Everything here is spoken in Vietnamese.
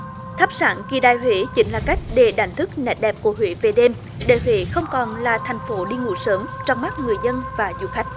thắp sáng kỳ đài huế chính là cách để đánh thức nét đẹp của huế về đêm để huế không còn là thành phố đi ngủ sớm trong mắt người dân và du khách